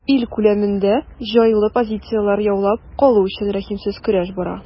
Ил күләмендә җайлы позицияләр яулап калу өчен рәхимсез көрәш бара.